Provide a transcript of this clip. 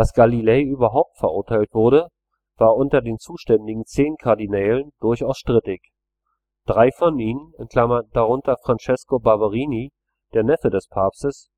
Galilei überhaupt verurteilt wurde, war unter den zuständigen zehn Kardinälen durchaus strittig; drei von ihnen (darunter Francesco Barberini, der Neffe des Papstes